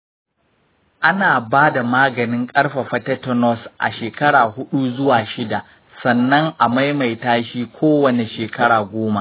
ana ba da maganin ƙarfafa tetanus a shekara huɗu zuwa shida, sannan a maimaita shi kowane shekara goma.